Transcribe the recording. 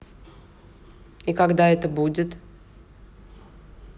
и когда это будет